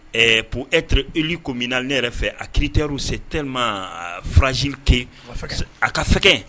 Ɛɛ p etreli ko min na ne yɛrɛ fɛ a kiirite se tɛma faraz kɛ a ka fɛ